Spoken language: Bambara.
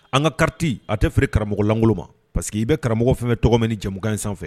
An ka kati a tɛ feere karamɔgɔlangolo ma paseke que' i bɛ karamɔgɔ fɛn tɔgɔ min ni jamanakanani sanfɛ